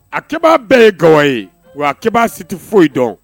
A ko bɛɛ ye ga ye wakɛ si tɛ foyi dɔn